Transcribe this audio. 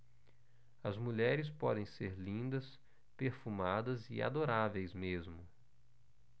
as mulheres podem ser lindas perfumadas e adoráveis mesmo